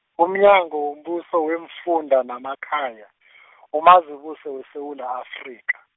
umnyango wombuso weemfunda namakhaya , uMazibuse weSewula Afrika.